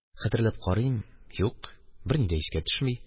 Хәтерләп карыйм – юк, берни дә искә төшми